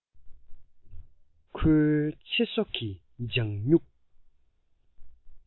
ཁོའི ཚེ སྲོག གི ལྗང མྱུག